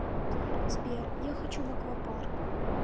сбер я хочу в аквапарк